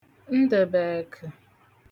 Ndə̣̀bụ̀ẹkə̣̀